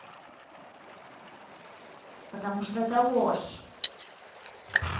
потому что это ложь